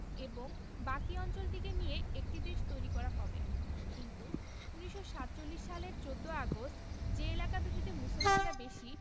এবং বাকি অঞ্চলটিকে নিয়ে আর একটি দেশ তৈরি করা হবে কিন্তু ১৯৪৭ সালের ১৪ আগস্ট যে এলাকা দুটিতে মুসলমানরা বেশি